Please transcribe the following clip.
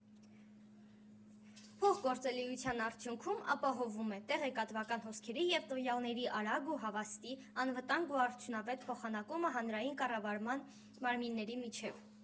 Փոխգործելիության արդյունքում ապահովվում է տեղեկատվական հոսքերի և տվյալների արագ ու հավաստի, անվտանգ ու արդյունավետ փոխանակումը հանրային կառավարման մարմինների միջև։